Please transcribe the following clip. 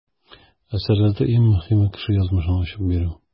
Әсәрләрдә иң мөһиме - кеше язмышын ачып бирү.